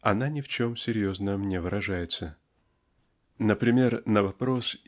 она ни в чем серьезном не выражается Например на вопрос